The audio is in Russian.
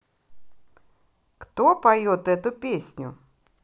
кто поет эту песню